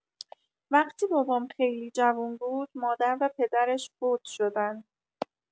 وقتی بابام خیلی جوون بود مادر و پدرش فوت شدن